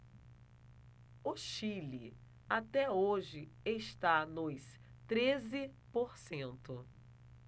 o chile até hoje está nos treze por cento